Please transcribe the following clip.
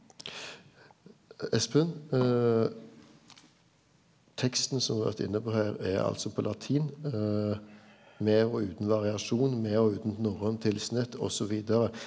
Espen teksten som me har vore inne på her er altså på latin med og utan variasjon med og utan norrønt tilsnitt og så vidare.